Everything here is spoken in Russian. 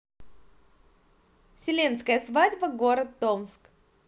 селенская свадьба город томск